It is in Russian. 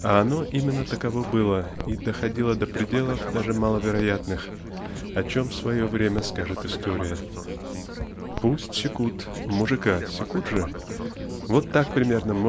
а оно именно таково было и доходило до пределов даже маловероятных о чем в свое время скажет история. "Пусть секут мужика секут же" -- вот как примерно